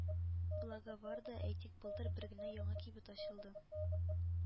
Благоварда, әйтик, былтыр бер генә яңа кибет ачылды